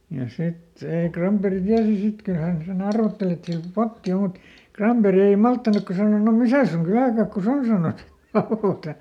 ja sitten ei Granberg tiesi sitten kyllä hän sen arvotteli että siellä potti on mutta Granberg ei malttanutkaan sanoi no missä sinun kyläkakkusi on sanoi raota